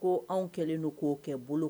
Ko anw kɛlen don k'o kɛ bolo